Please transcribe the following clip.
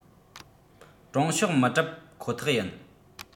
དྲང ཕྱོགས མི གྲུབ ཁོ ཐག ཡིན